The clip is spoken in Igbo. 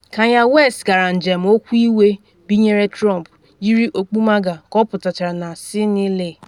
Kanye West Gara Njem Okwu Iwe Binyere Trump, Yiri Okpu MAGA, Ka Ọ Pụtachara na SNL.